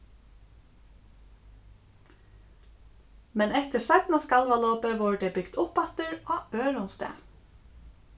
men eftir seinna skalvalopið vórðu tey bygd upp aftur á øðrum stað